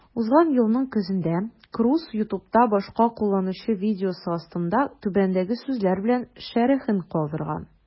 Узган елның көзендә Круз YouTube'та башка кулланучы видеосы астында түбәндәге сүзләр белән шәрехен калдырган: